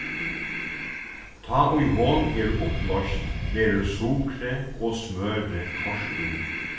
tá ið hon er upployst verður sukrið og smørið koyrt í